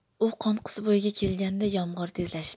u qonqus bo'yiga kelganda yomg'ir tezlashib